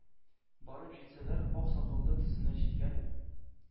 Барып җитсәләр, ак сакалы тезенә җиткән,